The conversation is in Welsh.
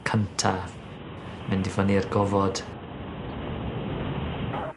cynta mynd i fynni i'r gofod.